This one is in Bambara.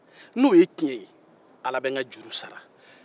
n'o ye tiɲɛ ye ala be n ka juru sara